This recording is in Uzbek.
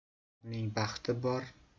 vatani borning baxti